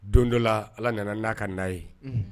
Don dɔla ala nana n'a ka na ye